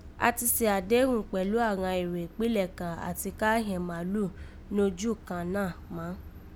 A ti se àdéghùn kpẹ̀lú àghan èrò ìkpínlẹ̀ kan àti ka hẹ̀n màlúù nojú kan náà má